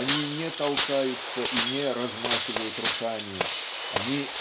они не толкаются и не "размахивают руками". Они